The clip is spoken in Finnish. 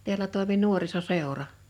täällä toimi nuorisoseura